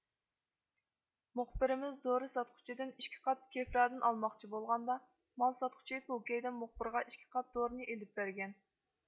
مۇخبىرىمىز دورا ساتقۇچىدىن ئىككى قاپ كېفرادىن ئالماقچى بولغاندا مال ساتقۇچى پوكەيدىن مۇخبىرغا ئىككى قاپ دورىنى ئېلىپ بەرگەن